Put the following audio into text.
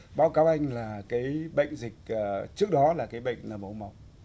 báo cáo anh là cái bệnh dịch ờ trước đó là cái bệnh là mẫu mực